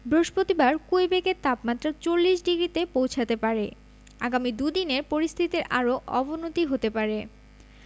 বৃহস্পতিবার কুইবেকে তাপমাত্রা ৪০ ডিগ্রিতে পৌঁছাতে পারে আগামী দু'দিনে পরিস্থিতির আরও অবনতি হতে পারে